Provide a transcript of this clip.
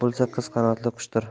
bo'lsa qiz qanotli qushdir